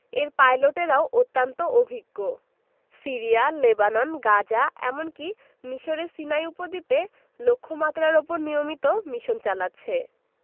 এর পাইলটেরাও অত্যন্ত অভিজ্ঞ সিরিয়া লেবানন গাজা এমনকি মিসরের সিনাই উপদ্বীপে লক্ষ্যমাত্রার ওপর নিয়মিত মিশন চালাচ্ছে